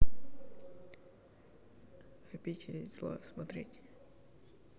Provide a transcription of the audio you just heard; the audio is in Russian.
обитель зла смотреть